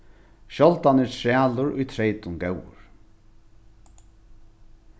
sjáldan er trælur í treytum góður